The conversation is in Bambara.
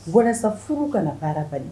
Walasa furu ka baara bali